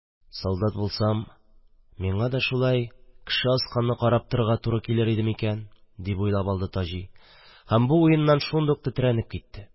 «солдат булсам, миңа да шулай кеше асканны карап торырга туры килер иде микән?» – дип уйлап алды таҗи һәм бу уеннан шундук тетрәнеп китте.